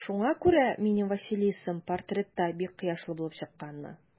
Шуңа күрә минем Василисам портретта бик кояшлы булып чыкканмы?